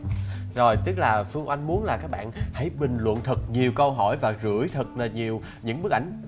rồi tức là phương oanh muốn là các bạn hãy bình luận thật nhiều câu hỏi và gửi thật là nhiều những bức ảnh